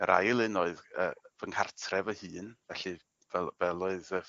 Yr ail un oedd yy fy nghartre fy hun, felly fel fel oedd yy